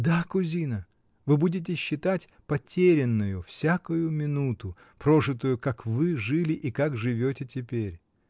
— Да, кузина, вы будете считать потерянною всякую минуту, прожитую, как вы жили и как живете теперь.